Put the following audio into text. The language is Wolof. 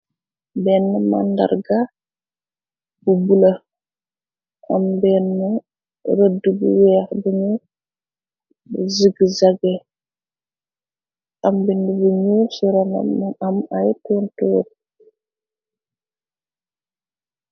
Benn màndarga bu bula am benn rëdd bu weex. Binu zigzage am bind biñu cirana mu am ay tentoori.